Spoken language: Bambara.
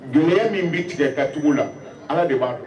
Gɛlɛya min bi tigɛ ka tugu la . Ala de ba dɔn.